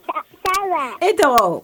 Fa e tɔgɔ